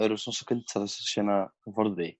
yr wsnos cynta sesiynna hyfforddi